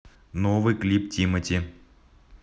новый клип тимати